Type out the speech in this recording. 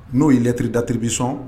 N'o ye lɛttiri datiriribi sɔn